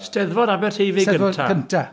Eisteddfod Aberteifi cyntaf?... Eisteddfod Cyntaf.